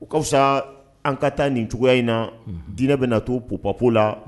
O ka fisasa an ka taa nin cogoya in na diinɛ bɛna na to pp la